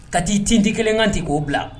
Ka t'i tinti 1na ten k'o bila.